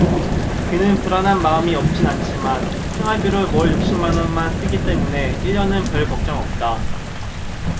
그는 불안한 마음이 없진 않지만 생활비로 월 육십 만원만 쓰기 때문에 일 년은 별걱정 없다